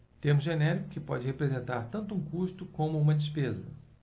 termo genérico que pode representar tanto um custo como uma despesa